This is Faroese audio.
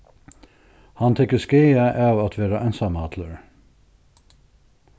hann tekur skaða av at vera einsamallur